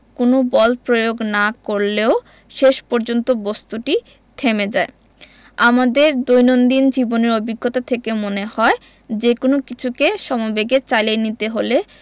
কোনো বল প্রয়োগ না করলেও শেষ পর্যন্ত বস্তুটি থেমে যায় আমাদের দৈনন্দিন জীবনের অভিজ্ঞতা থেকে মনে হয় যেকোনো কিছুকে সমবেগে চালিয়ে নিতে হলে